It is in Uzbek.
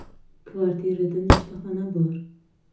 kvartirada nechta xona bor